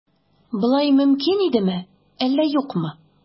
Болай мөмкин идеме, әллә юкмы?